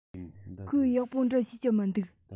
ཁོས ཡག པོ འབྲི ཤེས ཀྱི མི འདུག